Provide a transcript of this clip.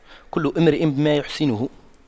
كل امرئ بما يحسنه